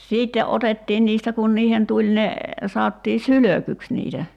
sitten otettiin niistä kun niihin tuli ne sanottiin sylkyksi niitä